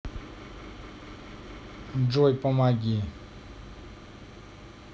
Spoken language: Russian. джой помоги